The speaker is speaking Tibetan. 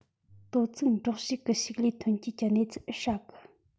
དོ ཚིགས འབྲོག ཕྱོགས གི ཕྱུགས ལས ཐོན སྐྱེད གི གནས ཚུལ ཨེ ཧྲ གི